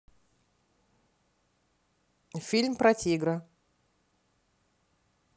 фильм про тигра